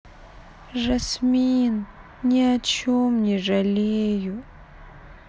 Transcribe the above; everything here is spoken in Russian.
жасмин ни о чем не жалею